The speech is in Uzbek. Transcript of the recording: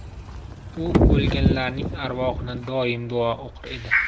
u o'lganlarning arvohini doim duo o'qir edi